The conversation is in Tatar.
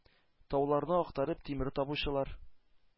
Тауларны актарып тимер табучылар,